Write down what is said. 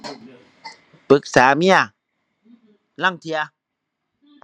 ปรึกษาเมีย ลางเที่ย